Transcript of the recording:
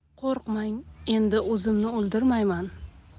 qo'rqmang endi o'zimni o'ldirmayman